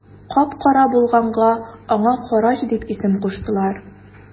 Кап-кара булганга аңа карач дип исем куштылар.